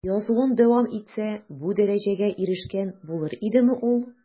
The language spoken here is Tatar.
Язуын дәвам итсә, бу дәрәҗәгә ирешкән булыр идеме ул?